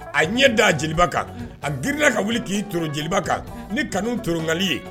A ɲɛ da jeliba kan a gla ka wuli k'i t jeliba kan ni kanu tgali ye